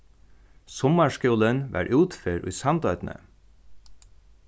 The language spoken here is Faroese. summarskúlin var útferð í sandoynni